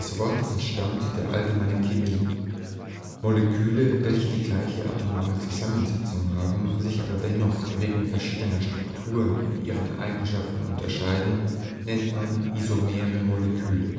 Wort entstammt der allgemeinen Chemie. Moleküle, welche die gleiche atomare Zusammensetzung haben, sich aber dennoch wegen verschiedener Strukturen in ihren Eigenschaften unterscheiden, nennt man isomere Moleküle. […] Wieder